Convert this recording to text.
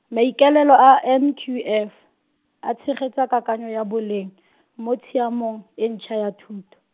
maikaelelo a N Q F, a tshegetsa kakanyo ya boleng, mo tshiamong, e ntšha ya thuto.